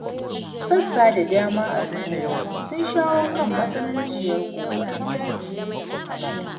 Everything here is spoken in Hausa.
Sassa da dama na duniya sun shawo kan matsananciyar gobarar daji a bana.